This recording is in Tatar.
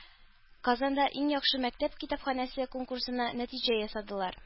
Казанда “Иң яхшы мәктәп китапханәсе” конкурсына нәтиҗә ясадылар